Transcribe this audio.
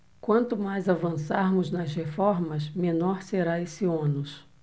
quanto mais avançarmos nas reformas menor será esse ônus